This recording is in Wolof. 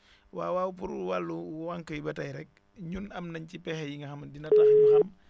waaw waaw pour wàllu wànq yi ba tey rek ñun am nañ ci pexe yi nga xam dina tax ñu xam